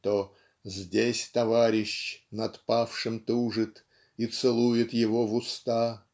то Здесь товарищ над павшим тужит И целует его в уста.